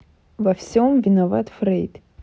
во всем виноват фрейд